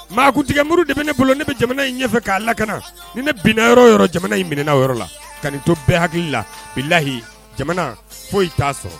Maa kunigmuru de bɛ ne bolo ne bɛ jamana in ɲɛfɛ k'a lakana ni ne binna yɔrɔ yɔrɔ jamana in minɛ yɔrɔ la kai to bɛɛ hakili la bi lahi jamana foyi t'a sɔrɔ